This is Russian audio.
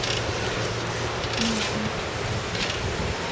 milking